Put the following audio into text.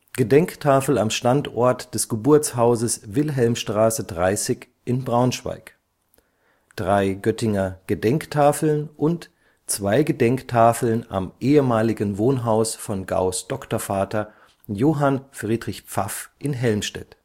Gedenktafel am Standort des Geburtshauses Wilhelmstraße 30 in Braunschweig. Drei Göttinger Gedenktafeln. Zwei Gedenktafeln am ehemaligen Wohnhaus von Gauß ' Doktorvater Johann Friedrich Pfaff in Helmstedt